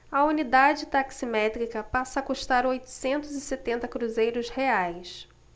a unidade taximétrica passa a custar oitocentos e setenta cruzeiros reais